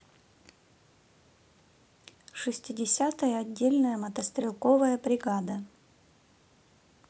шестидесятая отдельная мотострелковая бригада